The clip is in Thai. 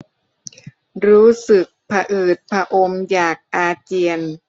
รู้สึกพะอืดพะอมอยากอาเจียน